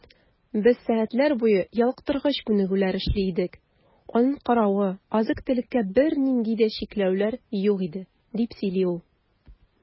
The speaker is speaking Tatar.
Без сәгатьләр буе ялыктыргыч күнегүләр эшли идек, аның каравы, азык-төлеккә бернинди дә чикләүләр юк иде, - дип сөйли ул.